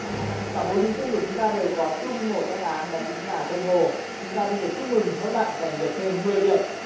cả bốn thí sinh của chúng ta đều có chung một đáp án đó chính là đông hồ chúng ta xin được chúc mừng mỗi bạn giành được thêm mười điểm